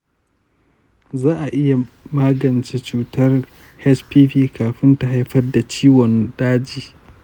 za a iya magance cutar hpv kafin ta haifar da ciwon daji?